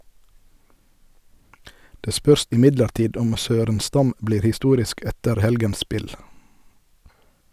Det spørs imidlertid om Sörenstam blir historisk etter helgens spill.